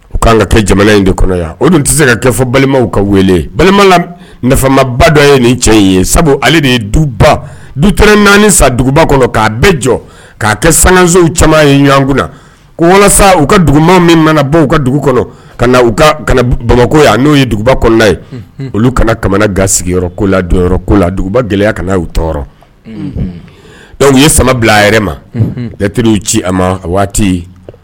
U ka kan ka kɛ jamana in de kɔnɔ yan o dun tɛ se ka kɛ fɔ balimaw ka wele balima nafamaba dɔ ye nin cɛ in ye sabu ale de ye duba dute naani sa duguba kɔnɔ k' bɛ jɔ k'a kɛ sansow caman ye ɲɔgɔn kunna ko walasa u ka duguma min mana baw u ka dugu kɔnɔ ka na kana bamakɔ n'o ye duguba kɔnɔ ye olu kana kamana ga sigiyɔrɔ ko la ko la duguba gɛlɛya kana u tɔɔrɔ dɔnku u ye sama bila a yɛrɛ mat ci a ma waati ye